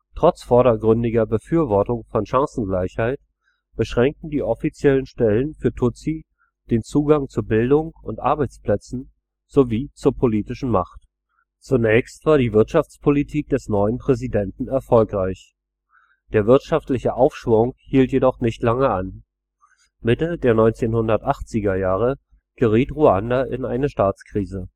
Trotz vordergründiger Befürwortung von Chancengleichheit beschränkten die offiziellen Stellen für Tutsi den Zugang zu Bildung und Arbeitsplätzen sowie zur politischen Macht. Zunächst war die Wirtschaftspolitik des neuen Präsidenten erfolgreich. Der wirtschaftliche Aufschwung hielt jedoch nicht lange an. Mitte der 1980er Jahre geriet Ruanda in eine Staatskrise